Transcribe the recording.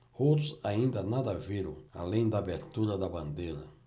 outros ainda nada viram além da abertura da bandeira